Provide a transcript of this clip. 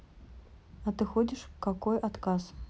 а ты ходишь в какой отказ